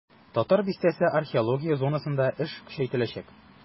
"татар бистәсе" археология зонасында эш көчәйтеләчәк.